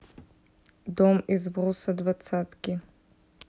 дом из бруса двадцатки